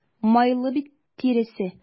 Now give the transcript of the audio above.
Майлы бит тиресе.